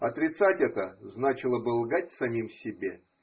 Отрицать это значило бы лгать самим себе.